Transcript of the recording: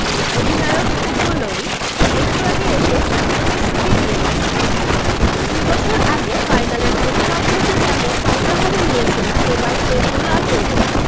অধিনায়ক Hugo Lloris একটু আগে এসে প্রতিশ্রুতি দিয়ে গেছেন দুই বছর আগে ফাইনালের প্রতিপক্ষকে যেমন হালকাভাবে নিয়েছিলাম এবার সে ভুল আর করব না